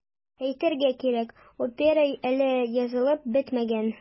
Әйтергә кирәк, опера әле язылып бетмәгән.